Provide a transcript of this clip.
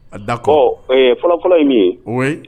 A dakɔ ɛɛ fɔlɔfɔlɔ ye min ye o ye